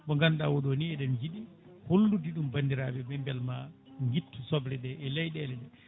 mo ganduɗa oɗo ni eɗen jiiɗi hollude ɗum bandiraɓe beelma guittu soble ɗe e leyɗele he